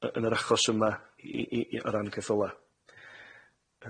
y- yn yr achos yma i- i- i- o ran ceffyla'.